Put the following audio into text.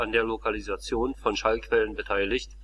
der Lokalisation von Schallquellen beteiligt